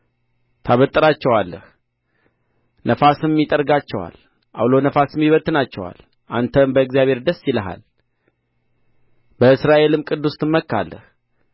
ታበጥራቸዋለህ ነፋስም ይጠርጋቸዋል ዐውሎ ነፋስም ይበትናቸዋል አንተም በእግዚአብሔር ደስ ይልሃል በእስራኤልም ቅዱስ ትመካለህ